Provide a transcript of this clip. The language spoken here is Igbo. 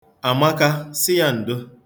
Amaka, sị ya ndo.